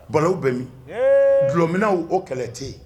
Balo bɛ min dulɔminw o kɛlɛ kuyate yen